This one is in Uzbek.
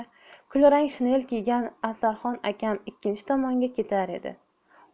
kulrang shinel kiygan afzalxon akam ikkinchi tomonga ketar edi